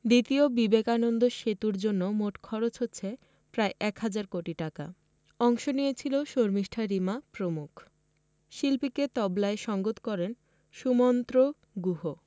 দ্বিতীয় বিবেকানন্দ সেতুর জন্য মোট খরচ হচ্ছে প্রায় এক হাজার কোটি টাকা অংশ নিয়েছিল শর্মিষ্ঠা রিমা প্রমুখ শিল্পীকে তবলায় সংগত করেন সুমন্ত্র গুহ